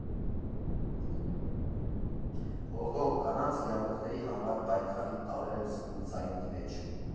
֊ Օհո, կանանց իրավունքների համար պայքարի տարրեր եմ զգում ձայնիդ մեջ…